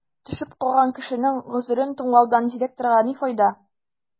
Төшеп калган кешенең гозерен тыңлаудан директорга ни файда?